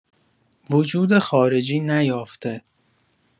وجود خارجی نیافته!